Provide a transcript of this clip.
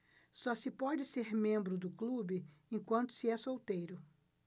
só se pode ser membro do clube enquanto se é solteiro